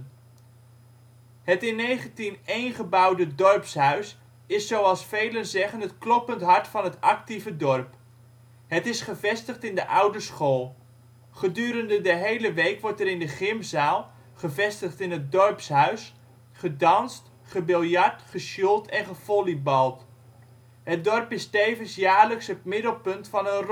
Het in 1901 gebouwde dorpshuis is zoals velen zeggen het kloppend hart van het actieve dorp. Het is gevestigd in de oude school. Gedurende de hele week wordt er in de gymzaal, gevestigd in het dorpshuis, gedanst, gebiljart, gesjoeld en gevolleybald. Het dorpshuis is tevens jaarlijks het middelpunt van een rommelmarkt